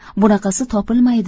bunaqasi topilmaydi